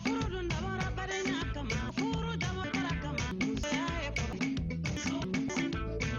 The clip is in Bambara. Furudakarikuma furuda ka kun kun